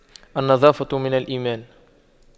النظافة من الإيمان